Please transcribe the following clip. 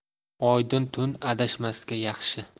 oydin tun adashmasga yaxshi